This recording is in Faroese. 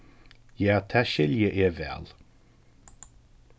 ja tað skilji eg væl